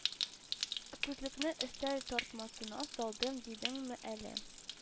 - ә күзлекне өстәл тартмасына салдым дидеңме әле